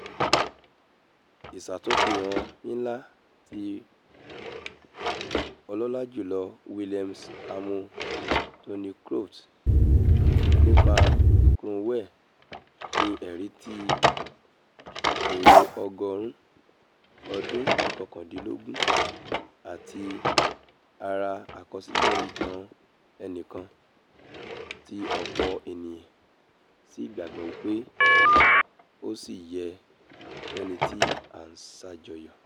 Ìṣátúnfihàn ńlá ti Ọlọ́lajὺlọ́ William Hamo Thorneycroft nípa Cromwell ni ẹ̀rí ti èrò ọgọ́ọ̀rún ọdún ìkọkàndínlógún àti ara àkọsílẹ̀ ìtàn ẹnikan tí ọ̀pọ̀ ènìyàn sí gbàgbọ́ wí pé ó sì yẹ lẹ́nití a ńṣàjọyọ̀.